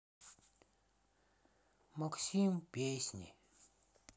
максим песни